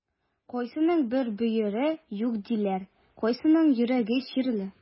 Кайсының бер бөере юк диләр, кайсының йөрәге чирле.